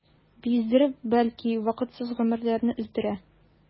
Биздереп, бәлки вакытсыз гомерләрне өздерә.